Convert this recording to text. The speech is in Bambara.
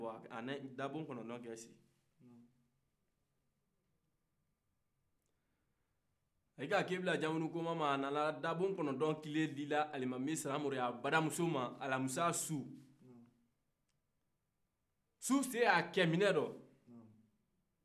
u ye ci bila a ye ci bila jankunu kuma ma a nana ni dabɔn kɔnɔntɔn kile ye k'a di alimami samori ka baramuso ma alamisa su su selen a cɛminɛ yɔrɔ su selen a selifana ma